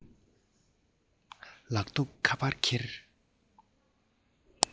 ལག ཐོགས ཁ པར འཁྱེར